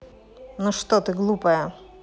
ну что ты глупая